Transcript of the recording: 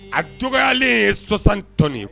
A dɔgɔyalen ye 60 tonnes ye.